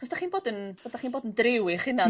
os dach chi'n bod yn fel dach chi'n bod yn driw i'ch hunan...